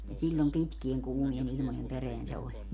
niin silloin pitkien kuumien ilmojen perään se oli